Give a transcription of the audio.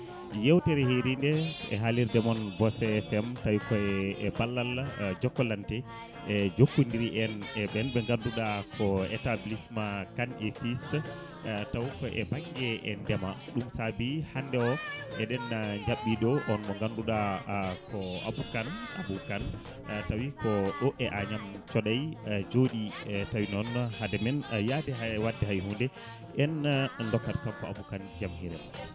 yewtere heeride e haalirde moon Bosse FM taw koye ballal jokalante e jokkodiri en e ɓen ɓe ganduɗa ko établissement Kane et fils taw ko e banggue e ndeema ɗum saabi hande o eɗen jabɓi ɗo on mo ganduɗa ko Abou Kane Abou Kane tawi ko ɗo e Agname Thioday jooɗi e tawi noon haade men yaade hay wadde hay hunde en dokkat kanko Abou Kane jaame hiiri ma